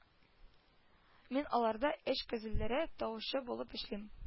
Мин аларда эш кәзәләре таучы булып эшлим